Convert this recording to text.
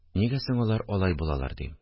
– нигә соң алар алай булалар? – дим